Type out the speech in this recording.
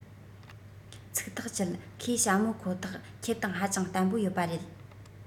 ཚིག ཐག བཅད ཁོས ཞྭ མོ ཁོ ཐག ཁྱེད དང ཧ ཅང བརྟན པོ ཡོད པ རེད